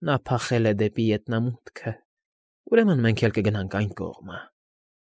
Նա փախել է դեպի ետնամուտքը։ Ուրեմն մենք էլ կգնանք այն կողմը։